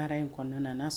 A taara in kɔnɔna nana